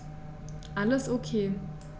Alles OK.